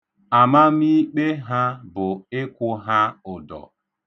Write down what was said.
Amamiikpe ha bụ ịkwụ ha ụdọ.